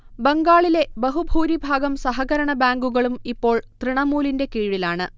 ബംഗാളിലെ ബഹുഭൂരിഭാഗം സഹകരണ ബാങ്കുകളും ഇപ്പോൾ തൃണമൂലിന്റെ കീഴിലാണ്